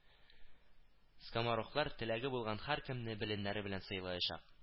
Скоморохлар теләге булган һәркемне беленнәр белән сыйлаячак